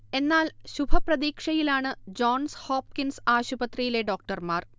എന്നാൽ, ശുഭപ്രതീക്ഷയിലാണ് Johns Hopkins ആശുപത്രിയിലെ ഡോക്ടർമാർ